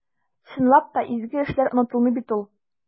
Чынлап та, изге эшләр онытылмый бит ул.